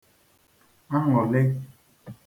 aṅụ̀lị